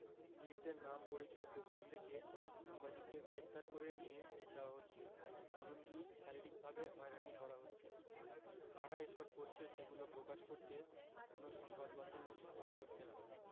নিজেদের নাম পরিচয় গোপন রেখে সাংবাদিকদের গ্রেপ্তার করে নিয়ে যাওয়া হচ্ছে এমনকি শারীরিকভাবেও হয়রানি করা হচ্ছে কারা এসব করছে সেগুলো প্রকাশ করতে কোনো সংবাদ মাধ্যমও সাহস করছে না